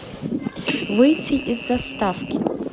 выйти из заставки